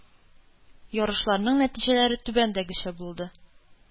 Ярышларның нәтиҗәләре түбәндәгечә булды.